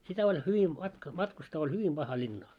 sitä oli hyvin - matkustaa oli hyvin paha linnaan